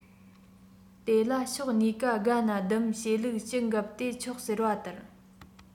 དེ ལ ཕྱོགས གཉིས ཀ དགའ ན སྡུམ བྱེད ལུགས ཇི འགབ བལྟས ཆོག ཟེར བ ལྟར